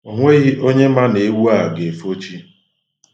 O nweghị onye ma na ewu a ga-efo chi